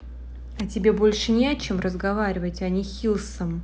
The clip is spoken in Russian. а тебе больше не о чем разговаривать они хиллсом